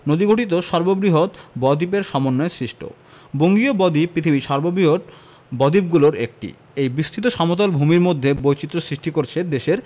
নদীগঠিত সুবৃহৎ বদ্বীপের সমন্বয়ে সৃষ্ট বঙ্গীয় বদ্বীপ পৃথিবীর সর্ববৃহৎ বদ্বীপগুলোর একটি এই বিস্তৃত সমতল ভূমির মধ্যে বৈচিত্র্য সৃষ্টি করেছে দেশের